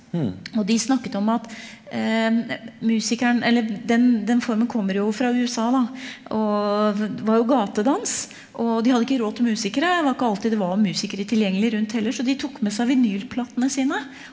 og de snakket om at musikeren eller den den formen kommer jo fra USA da og var jo gatedans og de hadde ikke råd til musikere var ikke alltid det var musikere tilgjengelig rundt heller så de tok med seg vinylplatene sine.